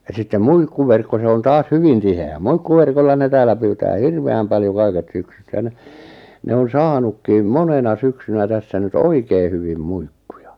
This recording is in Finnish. ja sitten muikkuverkko se on taas hyvin tiheä muikkuverkolla ne täällä pyytää hirveän paljon kaiket syksyt sen ne on saanutkin monena syksynä tässä nyt oikein hyvin muikkuja